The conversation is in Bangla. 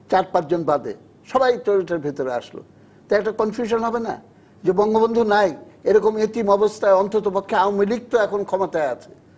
৪ ৫ জন বাদে সবাই তো এটার ভিতরে আসলো তো একটা কনফিউশন হবে না যে বঙ্গবন্ধু নাই এরকম এতিম অবস্থায় অন্ততপক্ষে আওয়ামী লীগ তো এখন ক্ষমতায় আছে